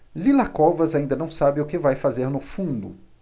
lila covas ainda não sabe o que vai fazer no fundo